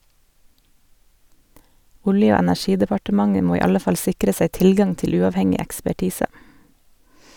Olje- og energidepartementet må i alle fall sikre seg tilgang til uavhengig ekspertise.